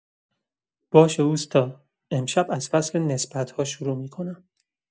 باشه اوستا، امشب از فصل نسبت‌ها شروع می‌کنم.